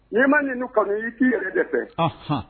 Ɲɛ ma ninnu kanu i t'i yɛrɛ de fɛ ɔnhɔn